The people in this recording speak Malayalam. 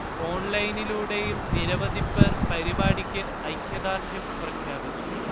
ഓൺലൈനിലൂടെയും നിരവധി പേർ പരിപാടിക്ക് ഐക്യദാർഢ്യം പ്രഖ്യാപിച്ചു